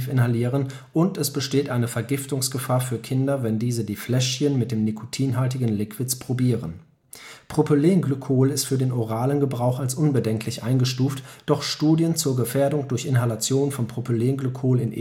inhalieren und es besteht eine Vergiftungsgefahr für Kinder, wenn diese die Fläschchen mit den nikotinhaltigen Liquids probieren. Propylenglykol ist für den oralen Gebrauch als unbedenklich eingestuft, doch Studien zur Gefährdung durch Inhalation von Propylenglykol